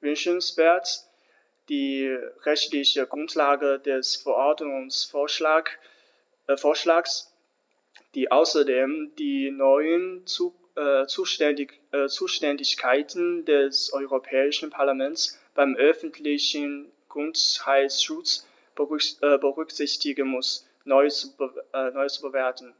wünschenswert, die rechtliche Grundlage des Verordnungsvorschlags, die außerdem die neuen Zuständigkeiten des Europäischen Parlaments beim öffentlichen Gesundheitsschutz berücksichtigen muss, neu zu bewerten.